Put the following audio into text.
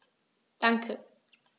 Danke.